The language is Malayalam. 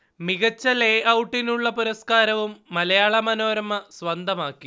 മികച്ച ലേ ഔട്ടിനുള്ള പുരസ്കാരവും മലയാള മനോരമ സ്വന്തമാക്കി